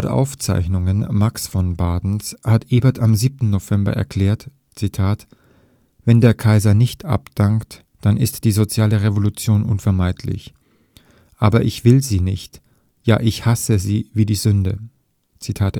Aufzeichnungen Max von Badens hat Ebert am 7. November erklärt: Wenn der Kaiser nicht abdankt, dann ist die soziale Revolution unvermeidlich. Ich aber will sie nicht, ja, ich hasse sie wie die Sünde. Der